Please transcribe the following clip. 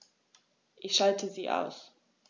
Ich schalte sie aus.